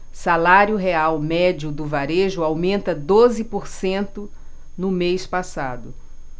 salário real médio do varejo aumenta doze por cento no mês passado